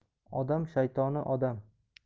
odam shaytoni odam